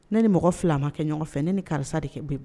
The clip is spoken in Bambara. Ne ni mɔgɔ 2 ma kɛ ɲɔgɔn fɛ, ne ni karisa de ka